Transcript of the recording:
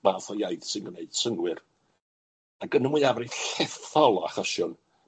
fath o iaith sy'n gwneud synnwyr, ag yn y mwyafrif llethol o achosion